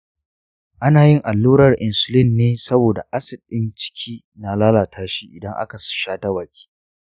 ana yin allurar insulin ne saboda acid ɗin ciki na lalata shi idan aka sha ta baki.